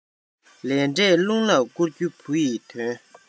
ལས འབྲས རླུང ལ བསྐུར རྒྱུ བུ ཡི དོན